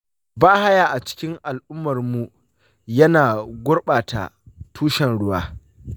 bahaya a cikin al’ummarmu yana gurɓata tushen ruwa.